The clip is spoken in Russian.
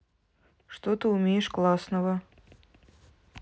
что ты умеешь классного